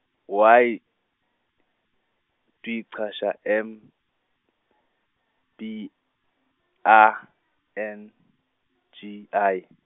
Y D chasha M D A N G I.